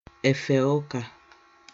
efè ụkà